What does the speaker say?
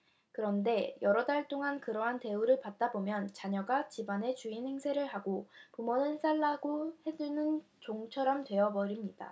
그런데 여러 달 동안 그러한 대우를 받다 보면 자녀가 집안의 주인 행세를 하고 부모는 해 달라는 대로 다 해 주는 종처럼 되어 버립니다